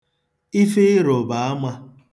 ife ịrụ̀bàamā